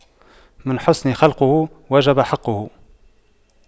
من حسن خُلقُه وجب حقُّه